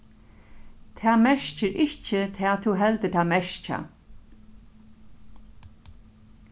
tað merkir ikki tað tú heldur tað merkja